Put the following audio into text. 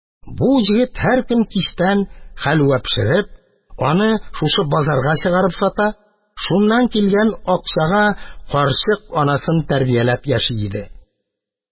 Бу егет һәр көн кичтән хәлвә пешереп, аны шушы базарга чыгарып сата, шуннан килгән акчага карчык анасын тәрбияләп яши иде.